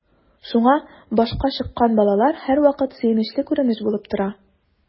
Шуңа “башка чыккан” балалар һәрвакыт сөенечле күренеш булып тора.